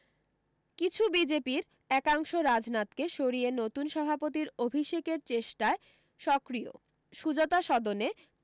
কিন্তু বিজেপির একাংশ রাজনাথকে সরিয়ে নতুন সভাপতীর অভিষেকের চেষ্টায় সক্রিয় সুজাতা সদনে